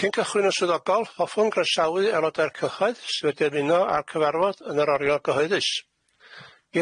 Cyn cychwyn yn swyddogol hoffwn groesawu aelodau'r cyhoedd sydd wedi ymuno â'r cyfarfod yn yr oriel gyhoeddus.